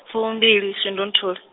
fumimbili shundunthule.